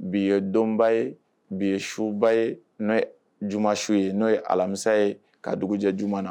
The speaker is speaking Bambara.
Bi ye dɔnba ye bi suba ye n'o ye juma su ye n'o ye alamisa ye ka dugujɛ juma na